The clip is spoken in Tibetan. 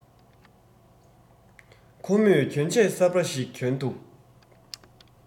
ཁོ མོས གྱོན གོས གསར པ ཞིག གྱོན འདུག